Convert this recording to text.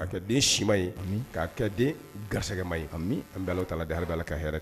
Ka kɛ den si ma ye k'a kɛ den garisɛgɛ ma ye ka an bɛ ala ta da ale b' la ka hɛrɛɛrɛ